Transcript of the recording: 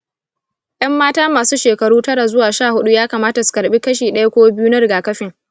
’yan mata masu shekaru tara zuwa sha hudu ya kamata su karɓi kashi ɗaya ko biyu na rigakafin.